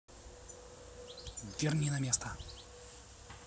верни на место